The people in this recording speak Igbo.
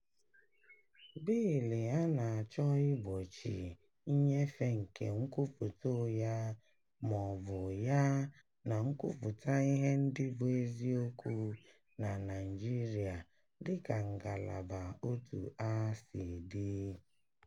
Bịịlụ a na-achọ "[igbochi] nnyefe nke nkwupụta ụgha ma ọ bụ ụgha na nkwupụta ihe ndị bụ eziokwu na Naịjirịa", dị ka Ngalaba 1a si dị.